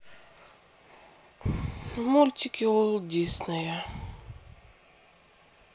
мультики уолт диснея